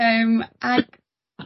Yym ag